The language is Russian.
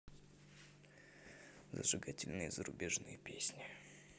зажигательные зарубежные песни